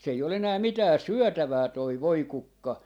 se ei ole enää mitään syötävää tuo voikukka